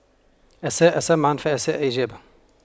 أساء سمعاً فأساء إجابة